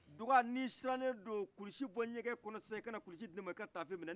duga ni i siralen do kulusi bɔ ɲɛgɛn kɔnɔ sisan i ka na kulusi di ne ma i ka tafe minɛ